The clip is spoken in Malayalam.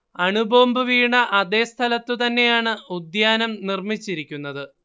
അണുബോംബ് വീണ അതേ സ്ഥലത്തു തന്നെയാണ് ഉദ്യാനം നിർമ്മിച്ചിരിക്കുന്നത്